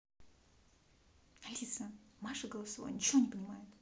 алиса маша голосовое ничего не понимает